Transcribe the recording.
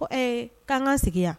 K'an ka sigi